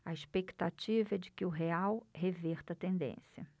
a expectativa é de que o real reverta a tendência